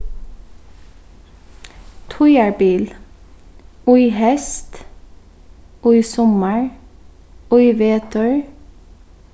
tíðarbil í heyst í summar í vetur